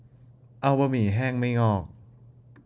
เอาบะหมี่แห้งไม่งอก